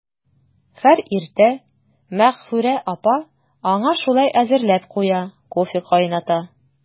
Һәр иртә Мәгъфүрә апа аңа шулай әзерләп куя, кофе кайната.